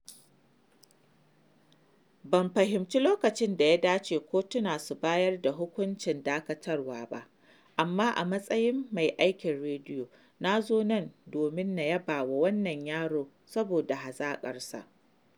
“Ban fahimci lokacin da ya dace kotuna su bayar da hukuncin dakatarwa ba, amma a matsayin mai aikin rediyo, nazo nan domin na yabawa wannan yaron saboda hazaƙarsa.”